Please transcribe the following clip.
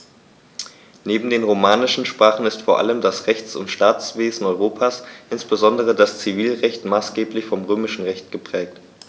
Neben den romanischen Sprachen ist vor allem das Rechts- und Staatswesen Europas, insbesondere das Zivilrecht, maßgeblich vom Römischen Recht geprägt.